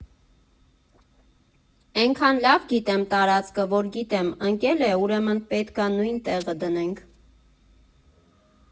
Էնքան լավ գիտեմ տարածքը, որ գիտեմ՝ ընկել է, ուրեմն պետք ա նույն տեղը դնենք։